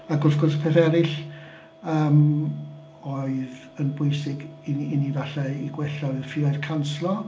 Ac wrth gwrs petha eraill yym oedd yn bwysig i ni i ni falle eu gwella oedd ffïoedd canslo.